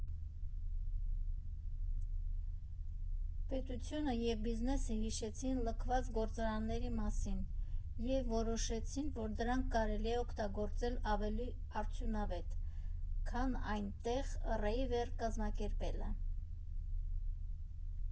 Պետությունը և բիզնեսը հիշեցին լքված գործարանների մասին և որոշեցին, որ դրանք կարելի է օգտագործել ավելի արդյունավետ, քան այնտեղ ռեյվեր կազմակերպելը։